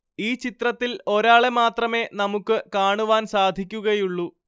ഈ ചിത്രത്തിൽ ഒരാളെ മാത്രമേ നമുക്ക് കാണുവാൻ സാധിക്കുകയുള്ളൂ